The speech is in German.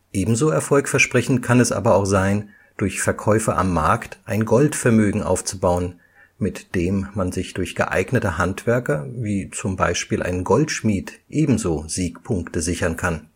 ebenso erfolgversprechend kann es aber auch sein, durch Verkäufe am Markt ein Goldvermögen aufzubauen, mit dem man sich durch geeignete Handwerker wie z. B. einen Goldschmied ebenso Siegpunkte sichern kann